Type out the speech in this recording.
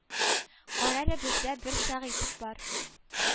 Кара әле бездә бер сәгыйтов бар